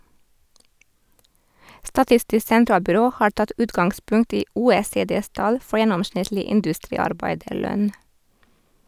Statistisk sentralbyrå har tatt utgangspunkt i OECDs tall for gjennomsnittlig industriarbeiderlønn.